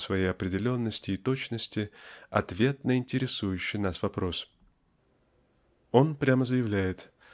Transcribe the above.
по своей определенности и точности ответ на интересующий нас вопрос. Он прямо заявляет